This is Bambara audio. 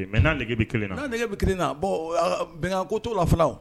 Mɛge bɛ kelen na naan nɛgɛ bɛ kelen na bon bɛnkan ko' la fana